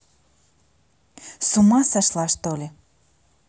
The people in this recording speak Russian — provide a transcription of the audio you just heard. с ума сошла что ли